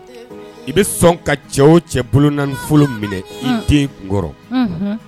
I bɛ sɔn ka cɛ o cɛ bolola nafolo minɛ i den kun kɔrɔ, onhɔn